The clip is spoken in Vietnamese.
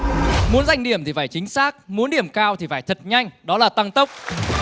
muốn giành điểm thì phải chính xác muốn điểm cao thì phải thật nhanh đó là tăng tốc